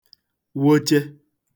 woche